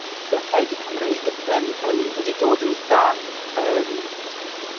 blancedi Cymreig a pethe'n yn wedi dod yn eitha yym